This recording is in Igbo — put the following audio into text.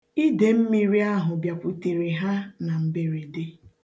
Ide mmiri ahụ bịakwutere ha na mberede.